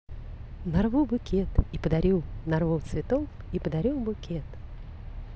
нарву букет и подарю нарву цветов и подарю букет